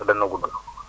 te dana gudd